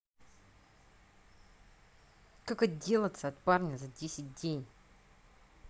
как отделаться от парня за десять день